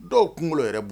Dɔw kunkolo yɛrɛ bɔ